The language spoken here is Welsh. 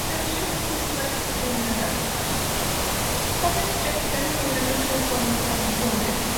Dewiswch Quizlet rywun arall, cofiwch jecio nw i wneud yn siŵr bo' nw yn gywir.